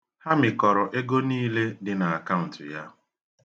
Ha mikọrọ ego niile dị n'akaunt ya